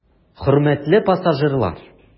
Хөрмәтле пассажирлар!